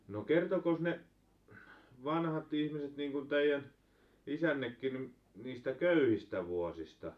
no kertoikos ne vanhat ihmiset niin kuin teidän isännekin - niistä köyhistä vuosista